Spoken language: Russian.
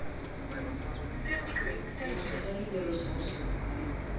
назови первый способ